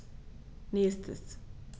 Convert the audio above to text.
Nächstes.